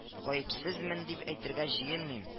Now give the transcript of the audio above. Гаепсезмен дип әйтергә җыенмыйм